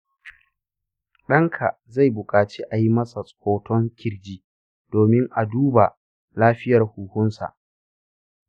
ɗanka zai buƙaci a yi masa hoton kirji domin a duba lafiyar huhunsa.